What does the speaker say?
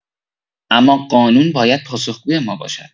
اما قانون باید پاسخگوی ما باشد